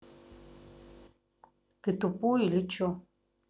ты тупой или че